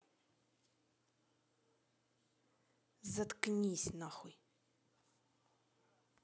заткнись нахуй